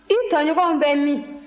i tɔɲɔgɔnw bɛ min